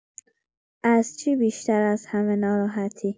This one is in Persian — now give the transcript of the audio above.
از چی بیشتر از همه ناراحتی؟